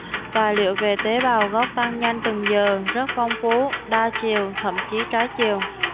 tài liệu về tế bào gốc tăng nhanh từng giờ rất phong phú đa chiều thậm chí trái chiều